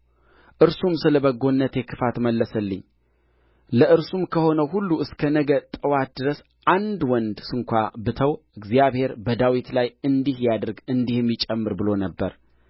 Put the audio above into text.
እርሱም ስለ በጎነቴ ክፋት መለሰልኝ ለእርሱም ከሆነው ሁሉ እስከ ነገ ጥዋት ድረስ አንድ ወንድ ስንኳ ብተው እግዚአብሔር በዳዊት ላይ እንዲህ ያድርግ እንዲህም ይጨምር ብሎ ነበር